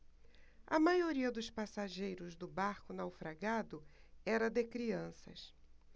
a maioria dos passageiros do barco naufragado era de crianças